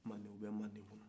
manden o bɛ manden kɔnɔ